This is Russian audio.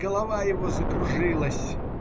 Голова его закружилась